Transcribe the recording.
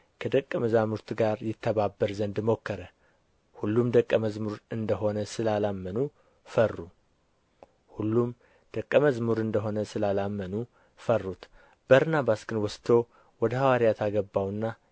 ከደቀ መዛሙርት ጋር ይተባበር ዘንድ ሞከረ ሁሉም ደቀ መዝሙር እንደ ሆነ ስላላመኑ ፈሩት በርናባስ ግን ወስዶ ወደ ሐዋርያት አገባውና